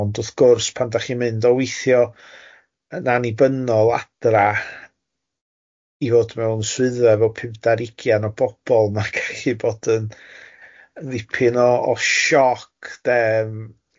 Ond wrth gwrs, pan dach chi'n mynd o weithio yn annibynnol adra i fod mewn swyddfa efo pumdar ugain o bobl, ma'n gallu bod yn ddipyn o o sioc de,